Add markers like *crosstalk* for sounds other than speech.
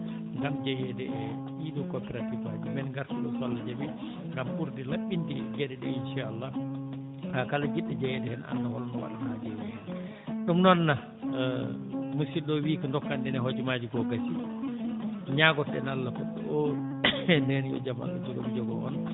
ngam jeeyede e ɗii ɗoo coopératif aji maa men ngartu ɗoo so Allah jaɓii ngam ɓurde laɓɓinde geɗe ɗee inchallah haa kala jiɗɗo jeyeede heen annda holno waɗata haa jeyee heen ɗum noon *hesitation* musidɗo o wiyi ko ndokanoɗen e hojomaaji ko gasii ñaagoto ɗen Allah ko o *coughs* e ndeen yo jam Allah jogo mi jogoo on